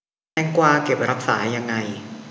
แตงกวาเก็บรักษายังไง